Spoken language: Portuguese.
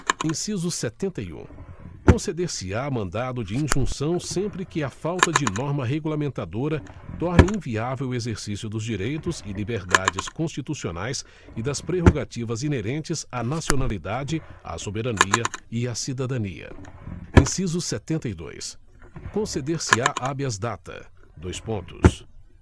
inciso setenta e um conceder se á mandado de injunção sempre que a falta de norma regulamentadora torne inviável o exercício dos direitos e liberdades constitucionais e das prerrogativas inerentes à nacionalidade à soberania e à cidadania inciso setenta e dois conceder se á habeas data dois pontos